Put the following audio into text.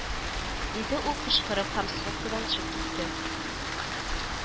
Диде ул кычкырып һәм сопкадан төшеп китте